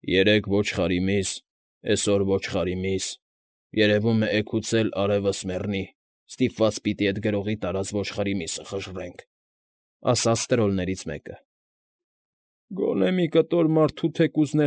Երեկ ոչխարի միս, էսօր ոչխարի միս, երևում է էգուց էլ, արևս մեռնի, սիտպված պիտի էդ գրողի տարած ոչխարի մսիը խժռենք, ֊ ասաց տրոլներից մեկը։ ֊ Գոնե մի կտոր մարդու թեկուզ։